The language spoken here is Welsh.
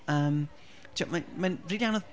yym... tibod mae- mae'n rili anodd...